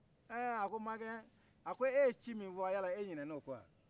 ɛ a ko makɛ a ko e ye ci min fɔ yala e ɲinɛna o kɔ wa